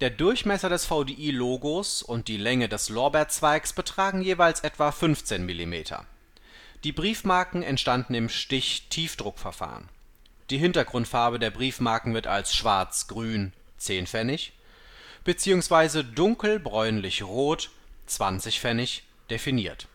Der Durchmesser des VDI-Logos und die Länge des Lorbeerzweigs betragen jeweils etwa 15 mm. Die Briefmarken entstanden im Stichtiefdruckverfahren. Die Hintergrundfarbe der Briefmarken wird als schwarzgrün (10 Pfennig) bzw. dunkelbräunlichrot (20 Pfennig) definiert